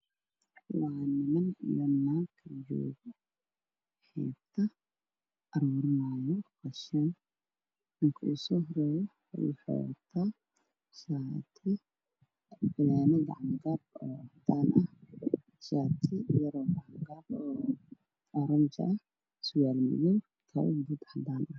Waa niman iyo naag oo aruurinaayo qashin. Ninka ugu soo horeeyo waxuu wataa fanaanad cagaar iyo cadaan ah, shaati yar oo oranji ah, surwaal madow ah iyo kabo buud cadaan ah.